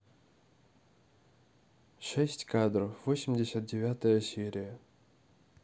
шесть кадров восемьдесят девятая серия